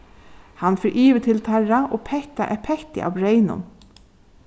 hann fer yvir til teirra og pettar eitt petti av breyðnum